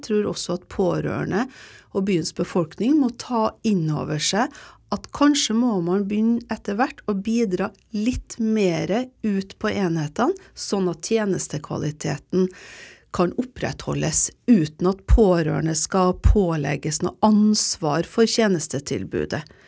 trur også at pårørende og byenes befolkning må ta inn over seg at kanskje må man begynne etter hvert å bidra litt mere ut på enhetene sånn at tjenestekvaliteten kan opprettholdes uten at pårørende skal pålegges noe ansvar for tjenestetilbudet.